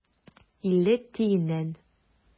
Илле тиеннән.